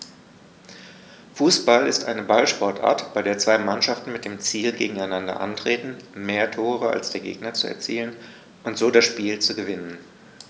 Fußball ist eine Ballsportart, bei der zwei Mannschaften mit dem Ziel gegeneinander antreten, mehr Tore als der Gegner zu erzielen und so das Spiel zu gewinnen.